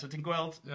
So ti'n gweld... Ia.